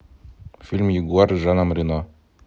фильм ягуар с жаном рено